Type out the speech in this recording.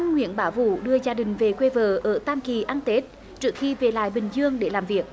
anh nguyễn bá vũ đưa gia đình về quê vợ ở tam kỳ ăn tết trước khi về lại bình dương để làm việc